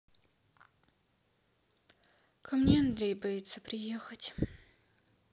ко мне андрей боится приехать